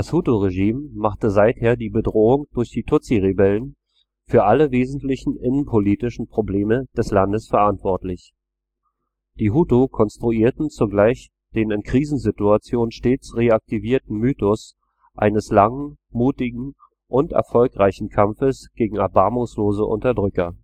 Hutu-Regime machte seither die Bedrohung durch die Tutsi-Rebellen für alle wesentlichen innenpolitischen Probleme des Landes verantwortlich. Die Hutu konstruierten zugleich den in Krisensituationen stets reaktivierten Mythos eines langen, mutigen und erfolgreichen Kampfes gegen erbarmungslose Unterdrücker